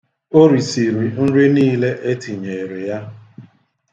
O risiri nri niile e tinyeere ya.